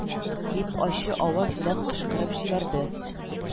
– дип, ачы аваз белән кычкырып җибәрде